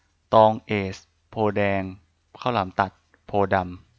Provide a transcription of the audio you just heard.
ตองเอซโพธิ์แดงข้าวหลามตัดโพธิ์ดำ